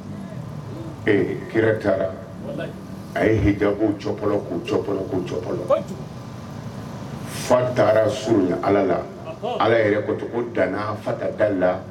E kira taara, walayi, a ye hijabu cɔpɔlɔ ku cɔpɔlɔ ku cɔpɔlɔ f'a taara surunya Ala la, ɔnhɔn, Ala yɛrɛ ko